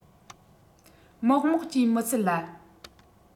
མོག མོག ཅེས མི ཟེར ལ